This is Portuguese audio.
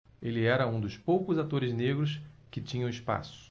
ele era um dos poucos atores negros que tinham espaço